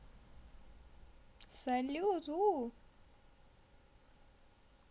салют у